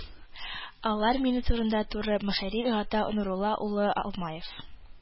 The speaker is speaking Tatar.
Алар мине турыдан-туры мөхәррир Гата Нурулла улы Алмаев